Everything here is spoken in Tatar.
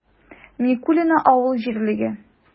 Микулино авыл җирлеге